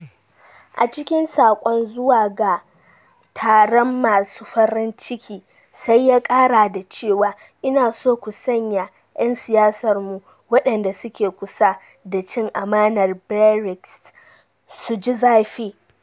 A cikin sakon zuwa ga taron masu farin ciki sai ya kara da cewa: 'Ina so ku sanya' yan siyasarmu, waɗanda suke kusa da cin amanar Brexit, su ji zafi.